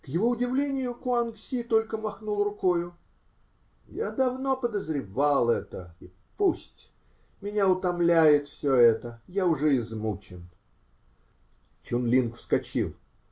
К его удивлению, Куанг-Си только махнул рукою. -- Я давно подозревал это. И пусть. Меня утомляет все это. Я уже измучен. Чун-Линг вскочил.